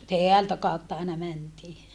täältä kautta aina mentiin